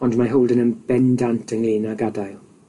Ond mae Holden yn bendant ynglŷn a gadael.